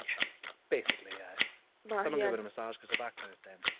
Yes. Basically, yes.... Ma' hi yn. ...Someone give her a massage because her back's hurting.